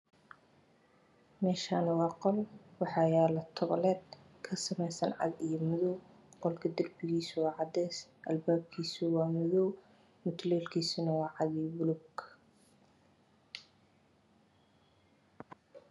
Meshani waa qol waxa toled kasemeysa cadan io madow qolka darbigis waa cades albabkis waa madow mutuleelkis waa cad io bulug